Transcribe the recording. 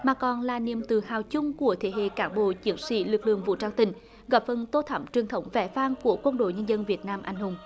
mà còn là niềm tự hào chung của thế hệ cán bộ chiến sĩ lực lượng vũ trang tỉnh góp phần tô thắm truyền thống vẻ vang của quân đội nhân dân việt nam anh hùng